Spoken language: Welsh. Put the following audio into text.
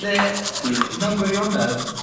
Lle yy... Hmm. ...mewn gwirionedd